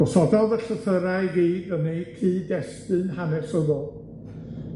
Gosododd y llythyrau i gyd yn eu cyd-destun hanesyddol,